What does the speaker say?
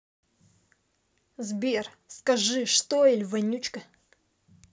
сбер скажи что или вонючка